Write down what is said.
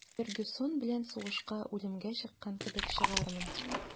«фергюсон белән сугышка үлемгә чыккан кебек чыгармын»